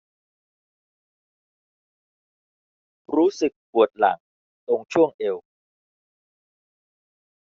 รู้สึกปวดหลังตรงช่วงเอว